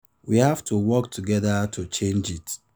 We have to work together to change it!